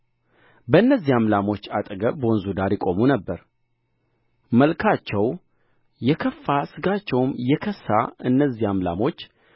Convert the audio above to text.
በእነዚያም ላሞች አጠገብ በወንዙ ዳር ይቆሙ ነበር መልካቸው የከፋ ሥጋቸውም የከሳ እነዚያም ላሞች